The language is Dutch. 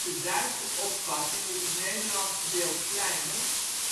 de Duitse opvatting is het Nederlandse deel kleiner